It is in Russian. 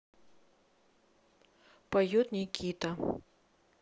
поет никита